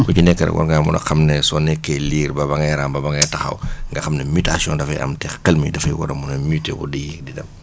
ku ci nekk rek war ngaa mën a xam ne soo nekkee liir ba ba ngay raam ba ba ngay taxaw nga xam ne mutation dafay am te xel mi dafay war a mën a muté wu di di dem